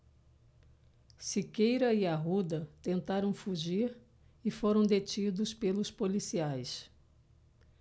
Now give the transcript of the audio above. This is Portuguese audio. siqueira e arruda tentaram fugir e foram detidos pelos policiais